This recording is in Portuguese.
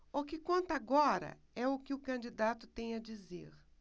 o que conta agora é o que o candidato tem a dizer